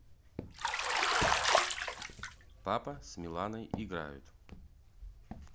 папа с миланой играют